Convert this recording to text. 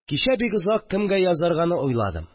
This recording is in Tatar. Кичә бик озак кемгә язарганы уйладым